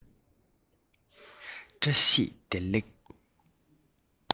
བཀྲ ཤེས བདེ ལེགས